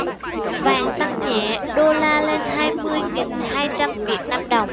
vàng tăng nhẹ đô la lên hai mươi nghìn hai trăm việt nam đồng